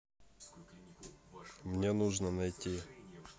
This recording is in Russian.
мне нужно найти